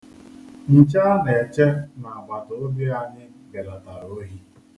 Nche a na-eche n'agbatoobi anyi belatara ohi.